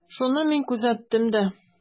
Шуны мин күзәттем дә.